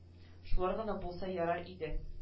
Шулар гына булса ярар иде